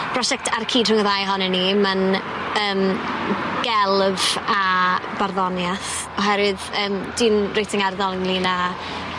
Brosiect ar y cyd rhwng y ddau ohonyn ni ma'n yym gelf a barddonieth oherwydd yym dwi'n reit angerddol ynglŷn â